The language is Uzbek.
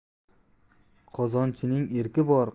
qozonchining erki bor